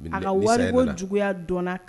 A ka wari ko juguya dɔn